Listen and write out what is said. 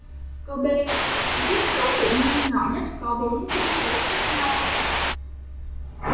câu b viết số tự nhiên nhỏ nhất có bốn chữ số khác nhau